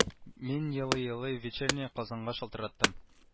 Мин елый-елый вечерняя казаньга шалтыраттым